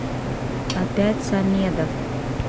опять самедов